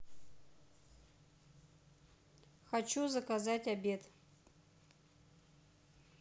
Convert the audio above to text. хочу заказать обед